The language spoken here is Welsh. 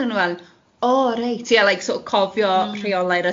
A o'n nhw fel, o reit, ie like sort of cofio reolau'r